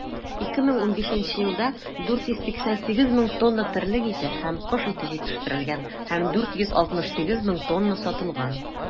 2015 елда 488 мең тонна терлек ите һәм кош ите җитештерелгән һәм 468 мең тонна сатылган.